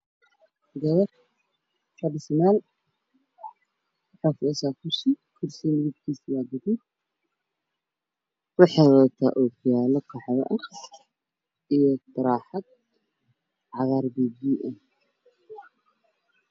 Gabar ku fadhida kursi waxay qabteen og yaalla madow ah kaba midab ah iyo xijaabo cadaan ah